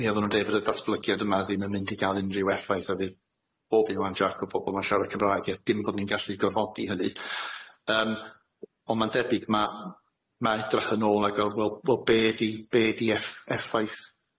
mi oddan nw'n deu' bod y datblygiad yma ddim yn mynd i ga'l unrhyw effaith a fydd bob un ŵan Jac o bobol ma'n siarad Cymraeg ie dim bo' ni'n gallu gorfodi hynny yym on' ma'n debyg ma' ma' edrych yn ôl ag o wel wel be' ydi be' ydi eff- effaith